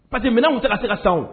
Parce que minɛn ŋun tɛ ka se san o